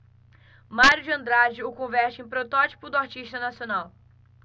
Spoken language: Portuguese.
mário de andrade o converte em protótipo do artista nacional